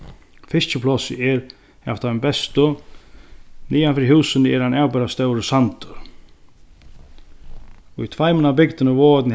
fiskiplássið er av teimum bestu niðan fyri húsini er ein avbera stórur sandur í tveimum av bygdunum í vágoynni